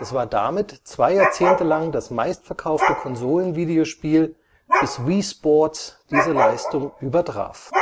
war damit zwei Jahrzehnte lang das meistverkaufte Konsolen-Videospiel, bis Wii Sports (Wii, 2006) diese Leistung übertraf